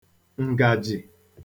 ǹgàjì